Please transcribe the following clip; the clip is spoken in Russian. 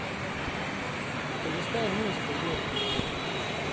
пролистай вниз то епта